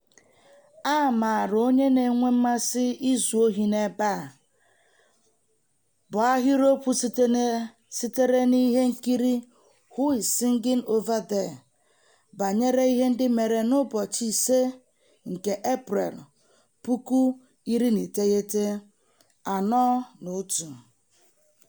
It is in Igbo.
A maara onye na-enwe mmasị izu ohi n'ebe a! bụ ahịrịokwu sitere n'ihe nkiri "Who's Singin' Over There" banyere ihe ndị mere n'ụbọchị 5 nke Eprelụ 1941.